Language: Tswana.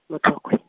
mo Tlokwe.